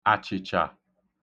àchị̀chà